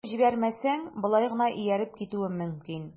Куып җибәрмәсәң, болай гына ияреп китүем мөмкин...